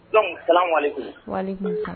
Dɔnku kalan wale